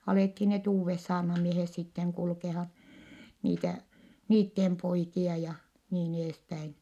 alettiin ne uudet saarnamiehet sitten kulkemaan niitä niiden poikia ja niin edespäin